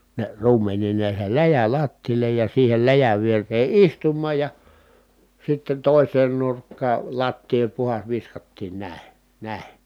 ne ruumeniin ne jäi läjä lattialle ja siihen läjän viereen istumaan ja sitten toiseen nurkkaan lattiaa oli puhdas viskattiin näin näin